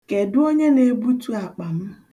Kedụ onye na-ebutu akpa m?